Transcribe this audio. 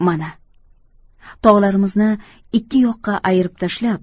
mana tog'larimizni ikki yoqqa ayirib tashlab